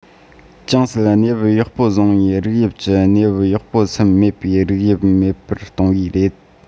ཅུང ཟད གནས བབ ཡག པོ བཟུང བའི རིགས དབྱིབས ཀྱིས གནས བབ ཡག པོ ཟིན མེད པའི རིགས དབྱིབས མེད པར གཏོང བས རེད